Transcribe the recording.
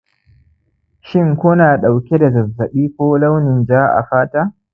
shin ku na ɗauke da zazzaɓi ko launin ja a fata